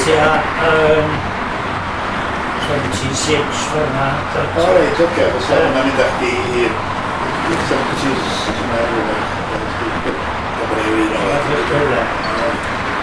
Tua yym twenty six ffor 'na... O reit ocê 'sa hyna'n mynd a chdi i i'r seventies cynnar 'w'rach gan bo ni yr un oed... Ia ia.